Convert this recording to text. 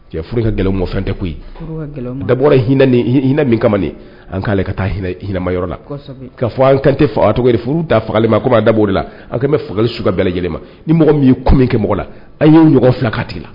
Cɛ furu in ka gɛlɛn o ma o fɛn tɛ koyi! Furu ka gɛlɛn o ma. A dabɔra hinɛ hinɛ min kama nin ye an ka lajɛ ka taa hinɛ ma yɔrɔ la. Kosɛbɛ! K'a fɔ an kan tɛ faga furu ta fagali ma i komi an da b'o de la an kan bɛ fagali suguya bɛɛ lajɛlen ma, ni mɔgɔ min ye ko min kɛ mɔgɔ la, a' y'o ɲɔgɔn fila k'a tigi la